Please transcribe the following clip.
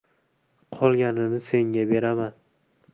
qolganini senga beraman